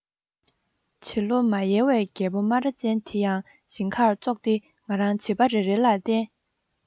བྱིས བློ མ ཡལ བའི རྒད པོ སྨ ར ཅན དེ ཡང ཞིང ཁར ཙོག སྟེ ང རང བྱིས པ རེ རེ ལ བསྟན